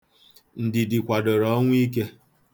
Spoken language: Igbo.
Ndidi kwadoro ọnwụ ike.